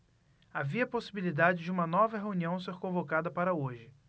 havia possibilidade de uma nova reunião ser convocada para hoje